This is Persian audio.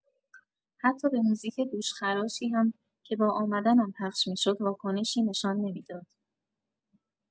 حتی به موزیک گوش‌خراشی هم که با آمدنم پخش می‌شد واکنشی نشان نمی‌داد.